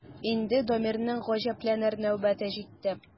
Инде Дамирның гаҗәпләнер нәүбәте җитте.